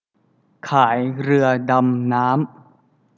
ขายเรือดำน้ำ